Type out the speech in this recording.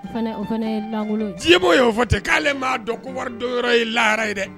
Nci b'o ye o fɔ ten k'ale maa dɔn ku dɔw yɔrɔ ye lahara ye dɛ